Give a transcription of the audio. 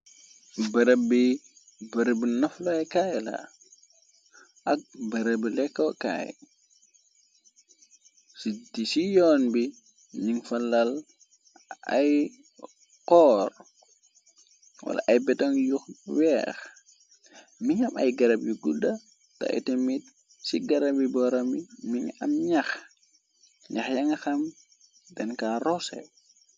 Barab bi bërëb nafloy kayla ak barab lekkokaay c ci yoon bi nin falal ay xoor wala ay betoŋ yu weex mi ngam ay garab yu gudda te ayta mit ci garabi borami mini am axñax yanga xam den ka rose.